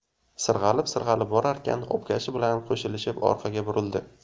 sirg'alib sirg'alib borarkan obkashi bilan qo'shilishib orqaga burildi